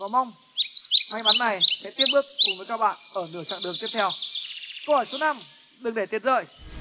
và mong may mắn này sẽ tiếp bước cùng với các bạn ở nửa chặng đường tiếp theo câu hỏi số năm đừng để tiền dơi